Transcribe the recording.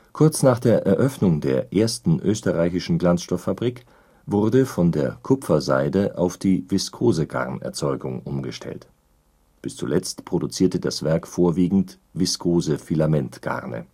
Kurz nach der Eröffnung der Ersten österreichischen Glanzstoffabrik wurde von der Kupferseide - auf die Viskosegarnerzeugung umgestellt. Bis zuletzt produzierte das Werk vorwiegend Viskosefilamentgarne